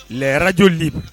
Yarajli